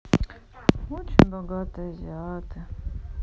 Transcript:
очень богатые азиаты